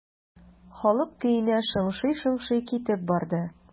Халык көенә шыңшый-шыңшый китеп барды.